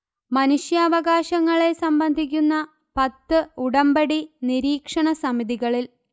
മനുഷ്യാവകാശങ്ങളെ സംബന്ധിക്കുന്ന പത്ത് ഉടമ്പടി നിരീക്ഷണ സമിതികളിൽ